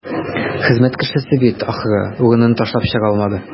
Хезмәт кешесе бит, ахры, урынын ташлап чыга алмады.